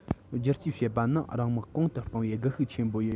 བསྒྱུར བཅོས བྱེད པ ནི རང དམག གོང དུ སྤེལ བའི སྒུལ ཤུགས ཆེན པོ ཡིན